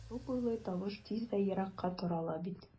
Су буйлый тавыш тиз вә еракка тарала бит...